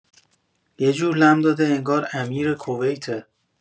یجور لم‌داده انگار امیر کویته